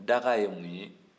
dga ye mun ye